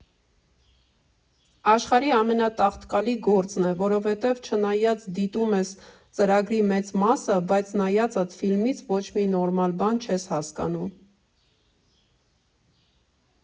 Աշխարհի ամենատաղտկալի գործն է, որովհետև չնայած դիտում ես ծրագրի մեծ մասը, բայց նայածդ ֆիլմից ոչ մի նորմալ բան չես հասկանում։